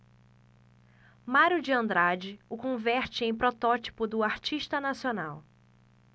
mário de andrade o converte em protótipo do artista nacional